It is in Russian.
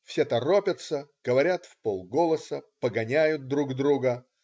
Все торопятся, говорят вполголоса, погоняют друг друга.